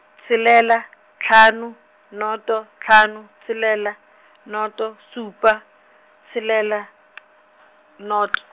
tshelela, hlano, noto, hlano, tshelela, noto, šupa, tshelela , noto.